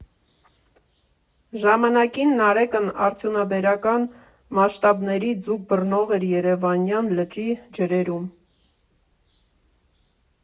Ժամանակին Նարեկն արդյունաբերական մասշտաբների ձուկ բռնող էր Երևանյան լճի ջրերում։